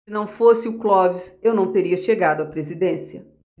se não fosse o clóvis eu não teria chegado à presidência